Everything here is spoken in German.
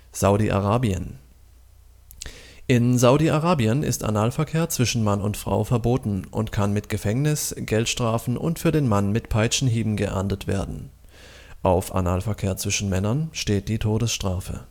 Saudi-Arabien In Saudi-Arabien ist Analverkehr zwischen Mann und Frau verboten und kann mit Gefängnis, Geldstrafen und für den Mann mit Peitschenhieben geahndet werden. Auf Analverkehr zwischen Männern steht die Todesstrafe